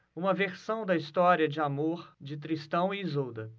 uma versão da história de amor de tristão e isolda